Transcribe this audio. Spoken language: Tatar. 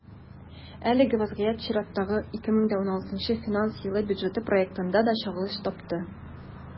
Әлеге вазгыять чираттагы, 2016 финанс елы бюджеты проектында да чагылыш тапты.